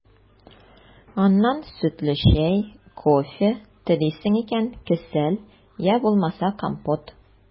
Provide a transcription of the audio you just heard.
Аннан сөтле чәй, кофе, телисең икән – кесәл, йә булмаса компот.